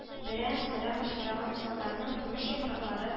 Берәм-сәрәм очраган усакларның көмеш яфраклары